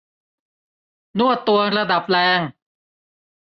นวดตัวระดับแรง